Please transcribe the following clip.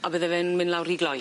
A bydde fe'n myn' lawr rhy gloi?